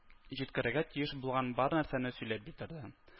Җиткерергә тиеш булган бар нәрсәне сөйләп битерде